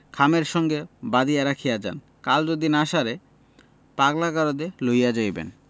খামের সঙ্গে বাঁধিয়া রাখিয়া যান কাল যদি না সারে পাগলা গারদে লইয়া যাইবেন